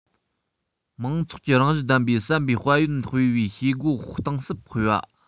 མང ཚོགས ཀྱི རང བཞིན ལྡན པའི བསམ པའི དཔལ ཡོན སྤེལ བའི བྱེད སྒོ གཏིང ཟབ སྤེལ བ